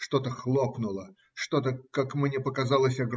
Что-то хлопнуло, что-то, как мне показалось